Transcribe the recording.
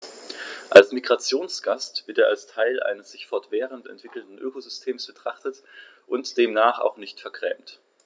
Als Migrationsgast wird er als Teil eines sich fortwährend entwickelnden Ökosystems betrachtet und demnach auch nicht vergrämt.